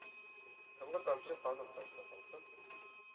Соңгы тамчы каным тамса тамсын,